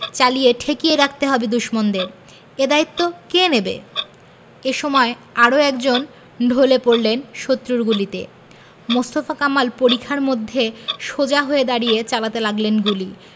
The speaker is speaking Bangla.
চালিয়ে ঠেকিয়ে রাখতে হবে দুশমনদের এ দায়িত্ব কে নেবে এ সময় আরও একজন ঢলে পড়লেন শত্রুর গুলিতে মোস্তফা কামাল পরিখার মধ্যে সোজা হয়ে দাঁড়িয়ে চালাতে লাগলেন গুলি